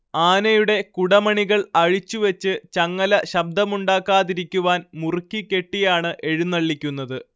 ആനയുടെ കുടമണികൾ അഴിച്ചുവെച്ച് ചങ്ങല ശബ്ദമുണ്ടാക്കാതിരിക്കുവാൻ മുറുക്കി കെട്ടിയാണ് എഴുന്നള്ളിക്കുന്നത്